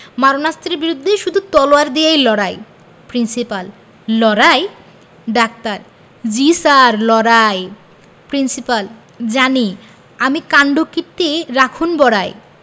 মারণাস্ত্রের বিরুদ্ধে শুধু তলোয়ার দিয়ে লড়াই প্রিন্সিপাল লড়াই ডাক্তার জ্বী স্যার লড়াই প্রিন্সিপাল জানি আমি কাণ্ডকীর্তি রাখুন বড়াই